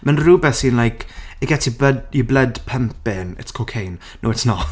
Mae'n rywbeth sy'n like it gets your bood- your blood pumping. It's cocaine! No, it's not.